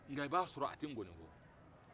mɛ i b'a sɔrɔ a tɛ gɔni fɔ